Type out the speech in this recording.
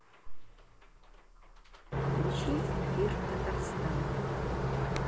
включи эфир татарстан